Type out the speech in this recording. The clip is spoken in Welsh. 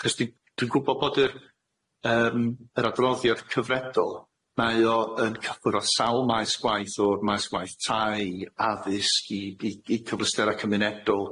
'c'os dwi dwi'n gwbod bod yr yym yr adroddiad cyfredol, mae o yn cyffwrdd â sawl maes gwaith o'r maes gwaith tai, addysg i i i cyfleusterau cymunedol,